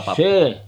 se